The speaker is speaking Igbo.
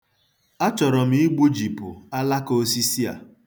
Achọrọ m igbujipụ alakaosisi a.